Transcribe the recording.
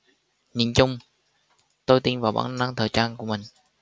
nhìn chung tôi tin vào bản năng thời trang của mình